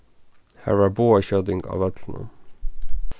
har var bogaskjóting á vøllinum